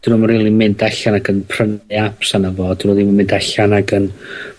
'dyn nw'm rili'n mynd allan ac yn prynu aps arno fo, 'dyn nw ddim yn mynd allan ag yn